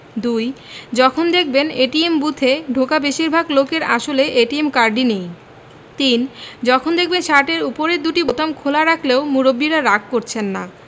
২. যখন দেখবেন এটিএম বুথে ঢোকা বেশির ভাগ লোকের আসলে এটিএম কার্ডই নেই ৩. যখন দেখবেন শার্টের ওপরের দুটি বোতাম খোলা রাখলেও মুরব্বিরা রাগ করছেন না